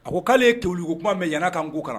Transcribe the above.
A ko k'ale ye kewili ko kuma mɛn yanni a ka Nko kalan.